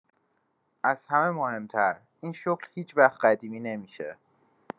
از همه مهم‌تر، این شغل هیچ‌وقت قدیمی نمی‌شه.